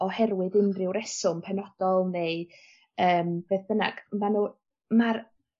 oherwydd unryw reswm penodol neu yym beth bynnag ma' n'w ma'r